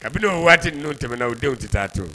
Kabini o waati ninnu tɛmɛna o denw tɛ taa to